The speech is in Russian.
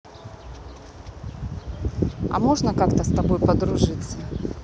а можно как то с тобой подружиться